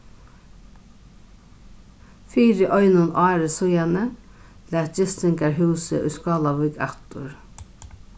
fyri einum ári síðani lat gistingarhúsið í skálavík aftur